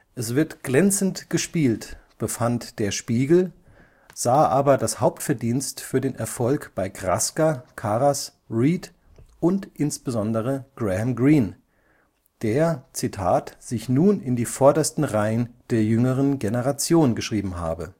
Es wird glänzend gespielt “, befand Der Spiegel, sah aber das Hauptverdienst für den Erfolg bei Krasker, Karas, Reed und insbesondere Graham Greene, der „ sich nun in die vordersten Reihen der jüngeren Generation geschrieben “habe